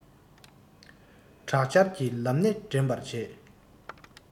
དྲག ཆར གྱི ལམ སྣེ འདྲེན པར བྱེད